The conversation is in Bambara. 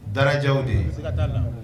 Dajɛw de ye